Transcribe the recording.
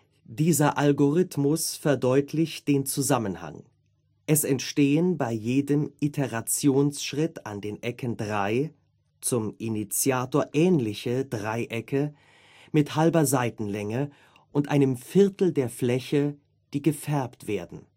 Dieser Algorithmus verdeutlicht den Zusammenhang. Es entstehen bei jedem Iterationsschritt an den Ecken drei (zum Initiator ähnliche) Dreiecke mit halber Seitenlänge und einem Viertel der Fläche, die gefärbt werden